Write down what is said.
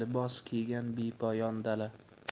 libos kiygan bepoyon dala